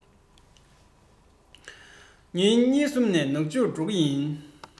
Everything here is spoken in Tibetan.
ཉིན གཉིས གསུམ ནས ནག ཆུར འགྲོ གི ཡིན